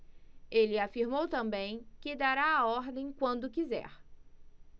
ele afirmou também que dará a ordem quando quiser